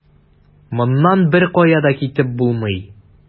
Моннан беркая да китеп булмый.